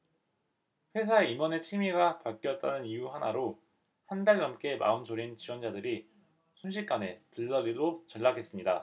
회사 임원의 취미가 바뀌었다는 이유 하나로 한 달 넘게 마음 졸인 지원자들이 순식간에 들러리로 전락했습니다